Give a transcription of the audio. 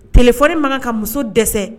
Kɛlɛfɔ mana ka muso dɛsɛ